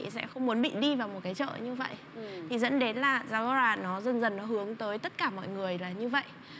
chị sẽ không muốn bị đi vào một cái chợ như vậy thì dẫn đến là rõ là nó dần dần hướng tới tất cả mọi người là như vậy